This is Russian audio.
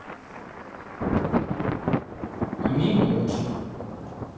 а мне не очень